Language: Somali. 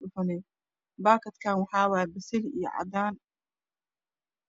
Baakadkan waxaa waa ay bisali iyo caddaan